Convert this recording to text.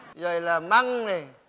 rồi là măng này